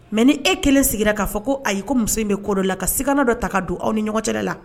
Mɛ ni e kelen sigira k'a fɔ ko ayi i ko muso in bɛ ko dɔ la ka sana dɔ ta ka don aw ni ɲɔgɔncɛ la